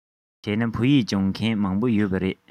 བྱས ན བོད ཡིག སྦྱོང མཁན མང པོ ཡོད པ རེད